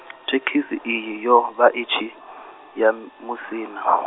thekhisi iyi yo vha i tshiya Musina .